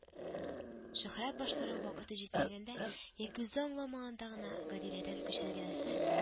Шөһрәт баштарак вакыты җитмәгәндә яки үзе аңламаганда гына Гадиләдән күчергәләсә